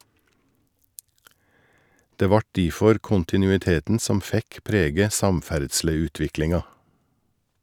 Det vart difor kontinuiteten som fekk prege samferdsleutviklinga.